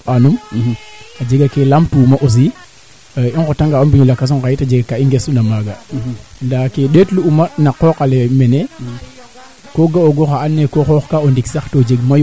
mee yomb mbaka niid maaga parce que a sanda maaga to a buga maaga bo fiyanoona maaga rek a yomba jim ndaa a refa nga maa and naye kaa fuund koy de leya sol joor o dufa nga maaga ɓasi yitam yoombe coxit keete warna cooxit